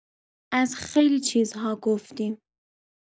از خیلی چیزها گفتیم.